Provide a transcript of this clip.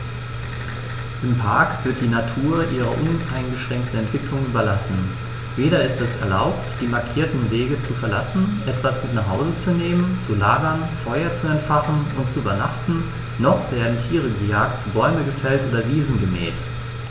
Im Park wird die Natur ihrer uneingeschränkten Entwicklung überlassen; weder ist es erlaubt, die markierten Wege zu verlassen, etwas mit nach Hause zu nehmen, zu lagern, Feuer zu entfachen und zu übernachten, noch werden Tiere gejagt, Bäume gefällt oder Wiesen gemäht.